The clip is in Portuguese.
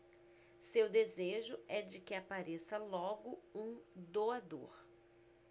seu desejo é de que apareça logo um doador